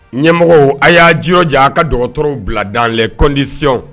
Ɲɛmɔgɔw a y'a' jirɔ ja a' ka docteur w bila dans les conditions